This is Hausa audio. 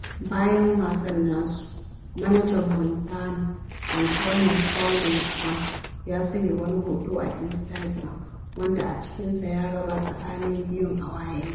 Bayan wasan nasu, manajan Montano, Anthony Chow Lin On, ya sanya wani hoto a Instagiram wanda a cikinsa ya raba tsakanin biyun a wayance: